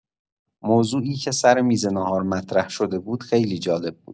موضوعی که سر میز ناهار مطرح‌شده بود، خیلی جالب بود.